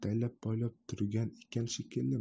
ataylab poylab turgan ekan shekilli